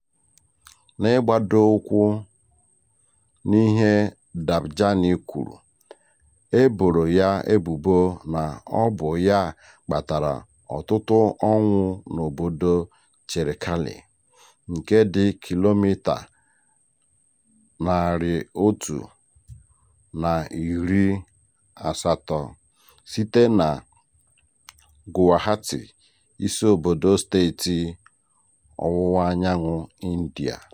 N'igbadoụkwụ n'ihe Debjani kwuru, e boro ya ebubo na ọ bụ ya kpatara ọtụtụ ọnwụ n'obodo Cherekali nke dị kilomita 180 site na Guwahati, isiobodo steeti ọwụwaanyanwụ India.